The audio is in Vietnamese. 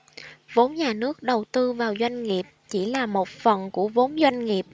vốn nhà nước đầu tư vào doanh nghiệp chỉ là một phần của vốn doanh nghiệp